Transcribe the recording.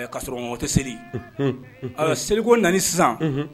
'a sɔrɔ tɛ seli a seliko nan sisan